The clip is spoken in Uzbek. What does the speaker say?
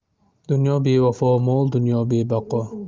dunyo bevafo mol dunyo bebaqo